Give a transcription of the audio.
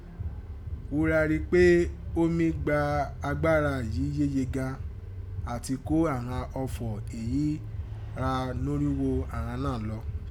Wo ra rí i pé ó mí gbà agbára yìí yéye gan an áti kó àghan ọfọ̀ èyí gha norígho aghan náà lọ.